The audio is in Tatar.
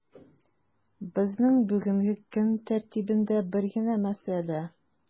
Безнең бүгенге көн тәртибендә бер генә мәсьәлә: